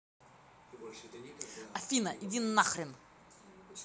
афина иди нахрен